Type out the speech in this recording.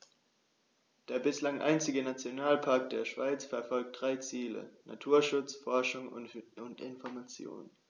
Der bislang einzige Nationalpark der Schweiz verfolgt drei Ziele: Naturschutz, Forschung und Information.